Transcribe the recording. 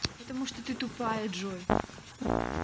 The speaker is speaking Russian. потому что ты тупая джой